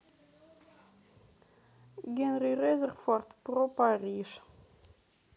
генри резерфорд про париж